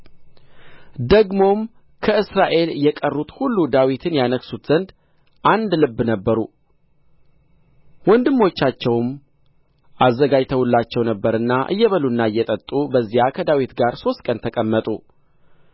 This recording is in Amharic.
ደግሞም ከእስራኤል የቀሩት ሁሉ ዳዊትን ያነግሡት ዘንድ አንድ ልብ ነበሩ ወንድሞቻቸውም አዘጋጅተውላቸው ነበርና እየበሉና እየጠጡ በዚያ ከዳዊት ጋር ሦስት ቀን ተቀመጡ